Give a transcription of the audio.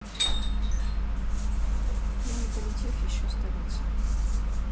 я не полетев еще столица